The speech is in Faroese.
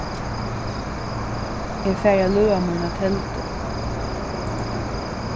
eg fari at løða mína teldu